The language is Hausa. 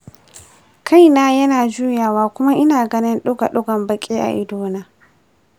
kai na yana juyawa kuma ina ganin digo-digon baki a idona.